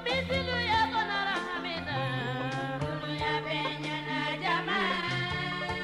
Milonya kɔnɔ min na bonya bɛ ɲɛnajɛ jama